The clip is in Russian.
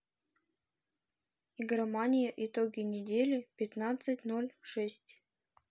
игромания итоги недели пятнадцать ноль шесть